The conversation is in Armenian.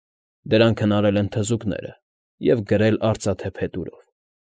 Դրանք հնարել են թզուկները և գրել արծաթե փետուրով։